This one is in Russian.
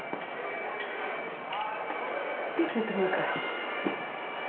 песня ты мой краш